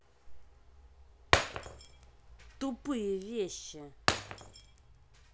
тупые вещи